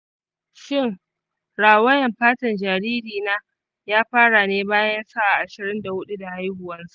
shin rawayan fatan jarirnki ya fara ne bayan sa'a ashirin da hudu da haihuwansa?